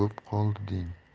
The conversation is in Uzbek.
bo'p qoldi deng